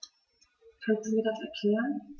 Kannst du mir das erklären?